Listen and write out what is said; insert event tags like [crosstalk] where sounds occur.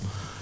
[hesitation] [hesitation]